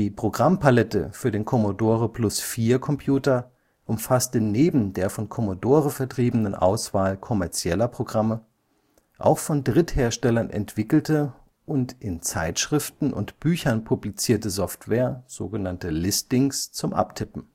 Programmpalette für den Commodore-Plus/4-Computer umfasste neben der von Commodore vertriebenen Auswahl kommerzieller Programme auch von Drittherstellern entwickelte und in Zeitschriften und Büchern publizierte Software (Listings) zum Abtippen